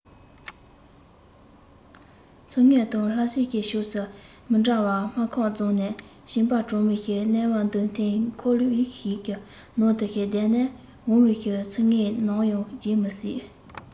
མཚོ སྔོན དང ལྷ སའི ཕྱོགས སུ མི འགྲོ བ སྨར ཁམས རྫོང ནས བྱིས པ གྲོངས བའི གནས བར འདུད འཐེན འཁོར ལོ ཞིག གི ནང དུ བསྡད ནས འོང བའི ཚུལ ངས ནམ ཡང བརྗེད མི སྲིད